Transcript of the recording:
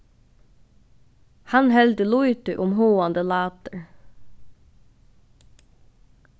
hann heldur lítið um háðandi látur